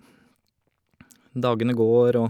Dagene går, og...